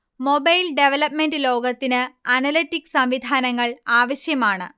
mobile development ലോകത്തിന് analytics സംവിധാനങ്ങൾ ആവശ്യമാണ്